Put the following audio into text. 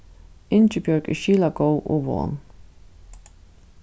ingibjørg er skilagóð og von